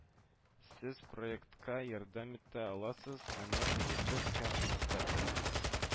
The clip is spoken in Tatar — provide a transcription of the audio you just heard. Сез проектка ярдәм итә аласыз, аны төзәтеп һәм өстәп